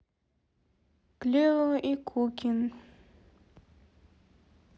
клео и кукин